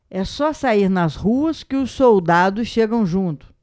é só sair nas ruas que os soldados chegam junto